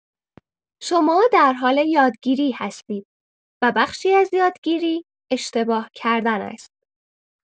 شما در حال یادگیری هستید و بخشی ازیادگیری اشتباه‌کردن است.